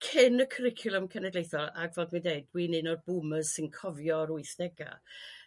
cyn y cwricwlwm cenedlaethol ag fel dwi dweud dwi'n un o'r boomers sy'n cofio'r wythddega'.